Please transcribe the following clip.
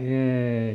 ei